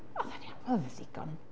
Oedd o'n iawn, oedd o'n ddigon...